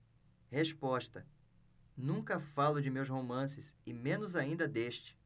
resposta nunca falo de meus romances e menos ainda deste